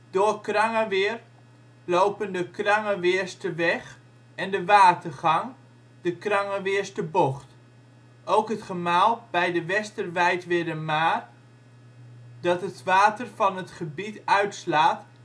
Door Krangeweer lopen de Krangeweersterweg en de watergang de Krangeweerstertocht. Ook het gemaal bij het Westerwijtwerdermaar, dat het water van het gebied uitslaat